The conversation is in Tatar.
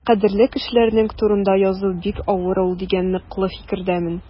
Кадерле кешеләрең турында язу бик авыр ул дигән ныклы фикердәмен.